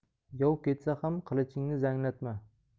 yov ketsa ham qilichingi zanglatma